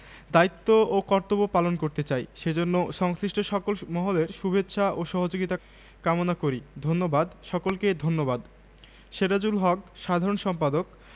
১১ কথিকা ফোঁটা ফোঁটা বৃষ্টি হয়ে আকাশের মেঘ নামে মাটির কাছে ধরা দেবে বলে তেমনি কোথা থেকে মেয়েরা আসে পৃথিবীতে বাঁধা পড়তে তাদের জন্য অল্প জায়গার জগত অল্প মানুষের